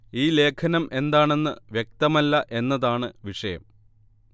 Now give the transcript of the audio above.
ഈ ലേഖനം എന്താണെന്ന് വ്യക്തമല്ല എന്നതാണ് വിഷയം